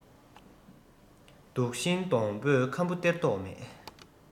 དུག ཤིང སྡོང པོས ཁམ བུ སྟེར མདོག མེད